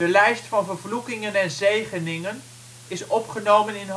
lijst van vervloekingen en zegeningen is opgenomen in hoofdstuk